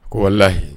Ko alayi